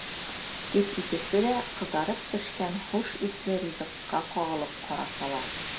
Тик икесе дә кызарып пешкән хуш исле ризыкка кагылып карасалар!